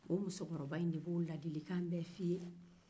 o musokɔrɔba in de b'o ladilikan fɔ i ye